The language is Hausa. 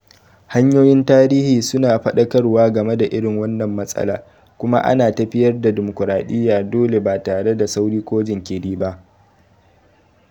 Hanyoyin tarihi su na faɗakarwa game da irin wannan matsala, kuma ana tafiyar da dimokuradiyya dole ba tare da sauri ko jinkiri ba.